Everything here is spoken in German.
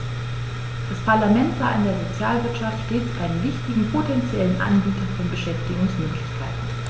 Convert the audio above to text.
Das Parlament sah in der Sozialwirtschaft stets einen wichtigen potentiellen Anbieter von Beschäftigungsmöglichkeiten.